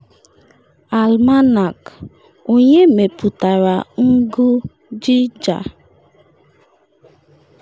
Almanak: Onye mepụtara ngụ Geiger